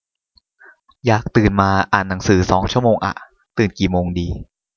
อยากตื่นมาอ่านหนังสือสองชั่วโมงอะตื่นกี่โมงดี